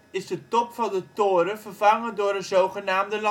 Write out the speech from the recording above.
is de top van de toren vervangen door een zogenaamde